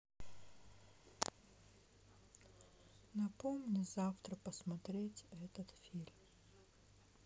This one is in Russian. напомни завтра посмотреть этот фильм